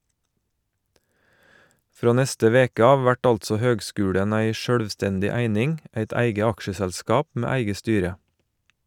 Frå neste veke av vert altså høgskulen ei sjølvstendig eining, eit eige aksjeselskap med eige styre.